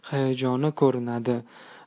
hayajonii ko'rinadi